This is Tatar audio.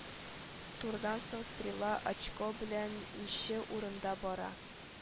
Турдан соң “стрела” очко белән нче урында бара